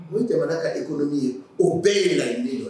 Ni jamana ka conomie o bɛɛ ye ŋaniya ye!